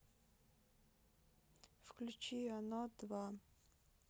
включи оно два